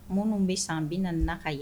Minnu bɛ san bi na na ka yen